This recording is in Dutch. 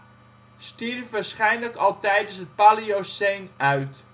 stierf waarschijnlijk al tijdens het Paleoceen uit